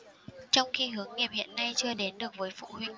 trong khi hướng nghiệp hiện nay chưa đến được với phụ huynh